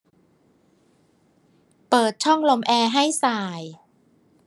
เปิดช่องลมแอร์ให้ส่าย